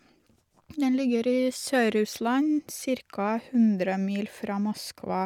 Den ligger i Sør-Russland, cirka hundre mil fra Moskva.